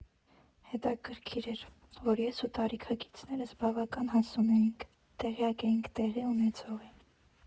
Հետաքրքիր էր, որ ես ու տարիքակիցներս բավական հասուն էինք, տեղյակ էինք տեղի ունեցողից։